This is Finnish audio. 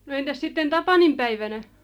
no entäs sitten tapaninpäivänä